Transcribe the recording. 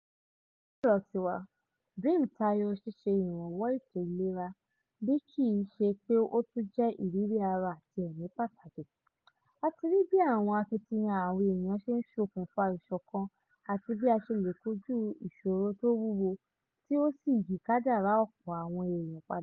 Lọ́dọ̀ ti wa, DREAM tayọ ṣíṣe ìrànwọ̀ ètò ìlerá bí kìí ṣe pé ó tún jẹ́ ìrírí ara àti ẹ̀mí pàtàkì: a ti rí bí àwọn akitiyan àwọn eèyàn ṣe ń ṣokùnfà ìṣòkan àti bí a ṣe lè kojú ìṣòro tó wúwo, tí ó sì yí kádàrá ọ̀pọ̀ awọn eèyàn padà.